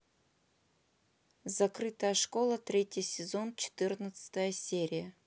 закрытая школа третий сезон четырнадцатая серия